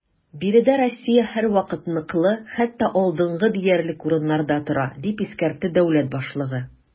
Биредә Россия һәрвакыт ныклы, хәтта алдынгы диярлек урыннарда тора, - дип искәртте дәүләт башлыгы.